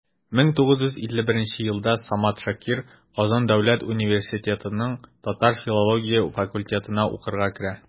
1951 елда самат шакир казан дәүләт университетының тарих-филология факультетына укырга керә.